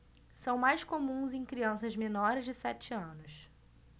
são mais comuns em crianças menores de sete anos